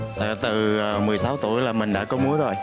từ mười sáu tuổi là mình đã có múi rồi